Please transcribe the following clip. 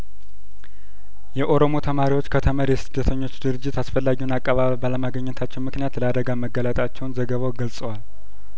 የኦሮሞ ተማሪዎች ከተመድ የስደተኞች ድርጅት አስፈላጊውን አቀባበል ባለማግኘታቸው ምክንያት ለአደጋ መጋለጣቸውን ዘገባው ገልጿል